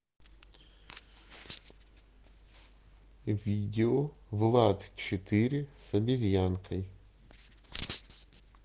видео влад четыре с обезьянкой